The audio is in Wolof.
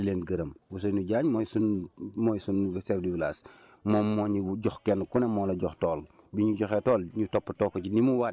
waaw ñi ma bokkal tool yi yëpp maa ngi leen di sant di leen gërëm Ousseynou Diagne mooy suñ mooy suñ chef de village moom moo ñu jox kenn ku ne moo la jox tool